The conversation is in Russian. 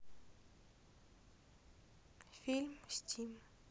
фильм стим